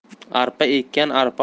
arpa ekkan arpa